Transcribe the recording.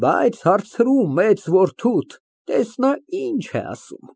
Բայց հարցրու մեծ որդուդ, տես նա ինչ է ասում։